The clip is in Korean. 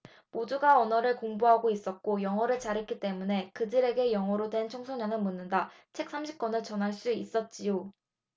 모두가 언어를 공부하고 있었고 영어를 잘했기 때문에 그들에게 영어로 된 청소년은 묻는다 책 삼십 권을 전할 수 있었지요